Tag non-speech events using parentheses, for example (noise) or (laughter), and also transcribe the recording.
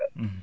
(hesitation) (hesitation)